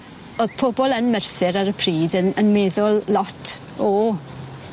O'dd pobol yn Merthyr ar y pryd yn yn meddwl lot o